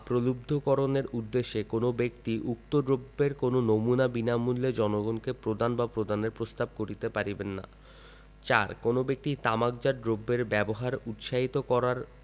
প্রলুব্ধকরণের উদ্দেশ্যে কোন ব্যক্তি উক্ত দ্রব্যের কোন নমুনা বিনামূল্যে জনগণকে প্রদান বা প্রদানের প্রস্তাব করিতে পারিবেন না ৪ কোন ব্যক্তি তামাকজাত দ্রব্যের ব্যবহার উৎসাহিত করার